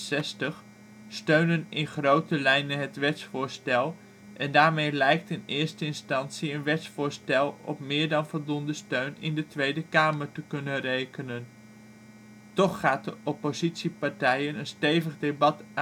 steunen in grote lijnen het wetsvoorstel en daarmee lijkt in eerste instantie het wetsvoorstel op meer dan voldoende steun in de Tweede Kamer te kunnen rekenen. Toch gaan de oppositiepartijen een stevig debat